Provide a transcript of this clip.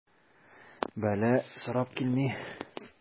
Бәла сорап килми.